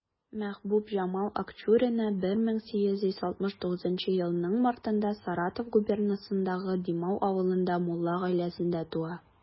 Мәхбүбҗамал Акчурина 1869 елның мартында Саратов губернасындагы Димау авылында мулла гаиләсендә туа.